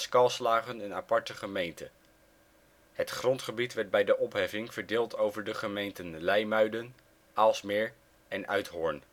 Kalslagen een aparte gemeente. Het grondgebied werd bij de opheffing verdeeld over de gemeenten Leimuiden, Aalsmeer en Uithoorn